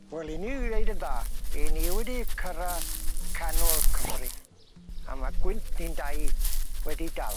Wel 'yn ni 'di neud yn dda 'yn ni wedi cyrradd canol Cymru a ma' gwynt ni'n dau wedi dal.